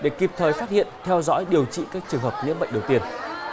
để kịp thời phát hiện theo dõi điều trị các trường hợp nhiễm bệnh điều khiển